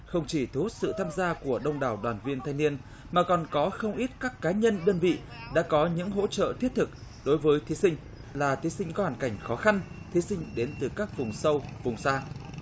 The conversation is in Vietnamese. không chỉ thu hút sự tham gia của đông đảo đoàn viên thanh niên mà còn có không ít các cá nhân đơn vị đã có những hỗ trợ thiết thực đối với thí sinh là thí sinh có hoàn cảnh khó khăn thí sinh đến từ các vùng sâu vùng xa